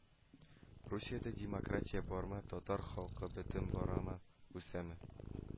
– русиядә демократия бармы, татар халкы бетеп барамы, үсәме